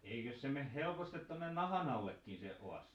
eikös se mene helposti tuonne nahan allekin se oas